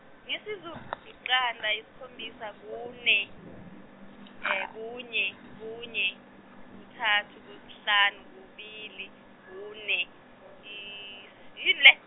isiZulu yiqanda yisikhombisa kune, kunye kunye, kuthathu, kuyisihlanu, kubili, kune, yi- .